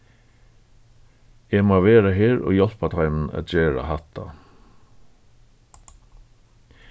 eg má vera her og hjálpa teimum at gera hatta